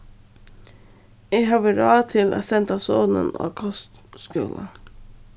eg havi ráð til at senda sonin á kostskúla